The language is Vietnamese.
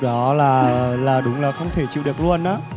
đó là là đúng là không thể chịu được luôn á